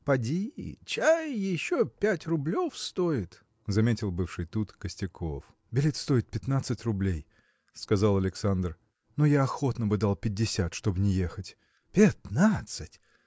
– Поди, чай, еще пять рублев стоит, – заметил бывший тут Костяков. – Билет стоит пятнадцать рублей – сказал Александр – но я охотно бы дал пятьдесят чтоб не ехать. – Пятнадцать!